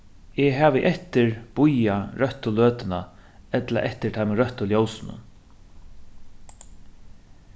eg havi eftir bíðað røttu løtuna ella eftir teimum røttu ljósunum